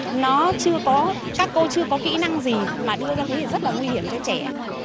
nó chưa có các cô chưa có kỹ năng gì mà đưa ra thế thì rất là nguy hiểm cho trẻ